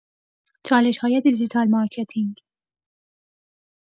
چالش‌های دیجیتال مارکتینگ